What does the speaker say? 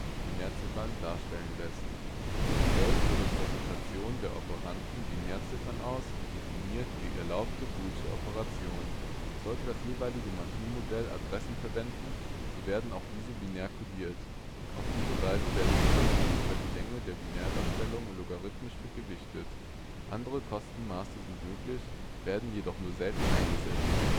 Binärziffern darstellen lässt. Man wählt zur Repräsentation der Operanden Binärziffern aus und definiert die erlaubten booleschen Operationen. Sollte das jeweilige Maschinenmodell Adressen verwenden, so werden auch diese binär codiert. Auf diese Weise werden die Kosten über die Länge der Binärdarstellung logarithmisch gewichtet. Andere Kostenmaße sind möglich, werden jedoch nur selten eingesetzt